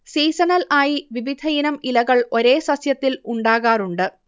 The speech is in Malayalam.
സീസണൽ ആയി വിവിധയിനം ഇലകൾ ഒരേ സസ്യത്തിൽ ഉണ്ടാകാറുണ്ട്